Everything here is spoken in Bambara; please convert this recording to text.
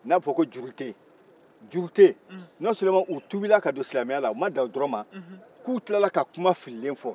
n'a bɛ fɔ ko jurute jurute non soleman u tuubira ka don silamɛyala u ma dan o dɔrɔn ma k'u tilara ka kuma fililen fɔ